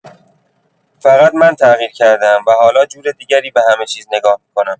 فقط من تغییر کرده‌ام و حالا جور دیگری به همه‌چیز نگاه می‌کنم.